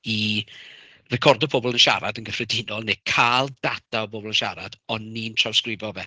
I recordo pobl yn siarad yn gyffredinol, neu cael data o bobl yn siarad, ond ni'n trawsgrifo fe.